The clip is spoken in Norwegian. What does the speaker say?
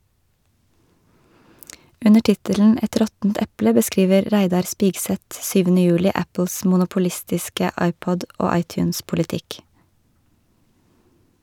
Under tittelen "Et råttent eple" beskriver Reidar Spigseth, syvende juli, Apples monopolistiske iPod- og iTunes-politikk.